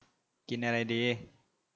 กินอะไรดี